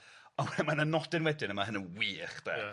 On' we'yn ma' 'na nodyn wedyn a ma' hyn yn wych 'de? Ia.